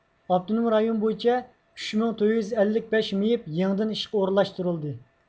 ئاپتونوم رايون بويىچە ئۈچ مىڭ تۆت يۈز ئەللىك بەش مېيىپ يېڭىدىن ئىشقا ئورۇنلاشتۇرۇلدى